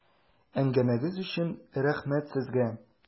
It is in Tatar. Әңгәмәгез өчен рәхмәт сезгә!